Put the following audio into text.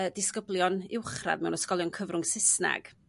y disgyblion uwchradd mewn ysgolion cyfrwng Susnag